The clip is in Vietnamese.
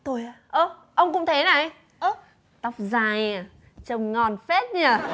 tôi á ớ ông cũng thế này tóc tóc dài à trông ngon phết nhờ